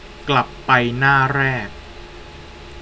กลับไปหน้าแรก